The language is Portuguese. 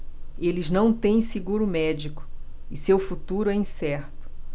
eles não têm seguro médico e seu futuro é incerto